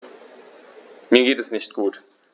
Mir geht es nicht gut.